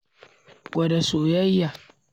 Gwada soyayya."